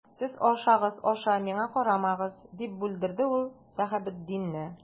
Сез ашагыз, аша, миңа карамагыз,— дип бүлдерде ул Сәхәбетдинне.